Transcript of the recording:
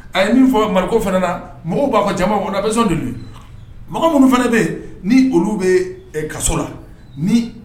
A ye min fɔ mara fana na mɔgɔw b'a ka casɔn makan minnu fana bɛ yen ni olu bɛ kaso la